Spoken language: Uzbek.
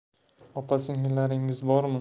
opa singillaringiz bormi